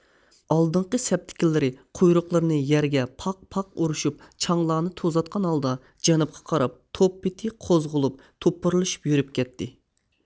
ئالدىنقى سەپتىكىلىرى قۇيرۇقلىرىنى يەرگە پاق پاق ئۇرۇشۇپ چاڭلارنى توزۇتقان ھالدا جەنۇبقا قاراپ توپ پېتى قوزغىلىپ توپۇرلىشىپ يۈرۈپ كەتتى